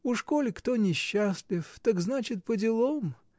Уж коли кто несчастлив, так, значит, поделом.